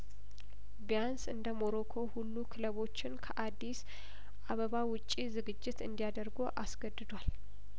ቢያንስ እንደ ሞሞሮኮው ሁሉ ክለቦችን ከአዲስ አበባ ውጪ ዝግጅት እንዲያደርጉ አስገድዷል